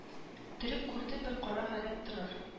Төрек күрде бер кара гарәп торыр